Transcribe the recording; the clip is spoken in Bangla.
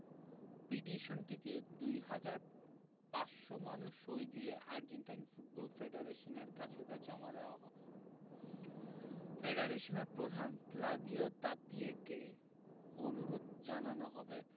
পিটিশনটিতে ২ হাজার ৫০০ মানুষ সই দিলে আর্জেন্টাইন ফুটবল ফেডারেশনের কাছে তা জমা দেওয়া হবে ফেডারেশনের প্রধান ক্লদিও তাপিয়াকে অনুরোধ জানানো হবে